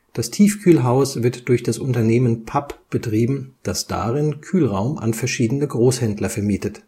Das Tiefkühlhaus wird durch das Unternehmen Papp betrieben, das darin Kühlraum an verschiedene Großhändler vermietet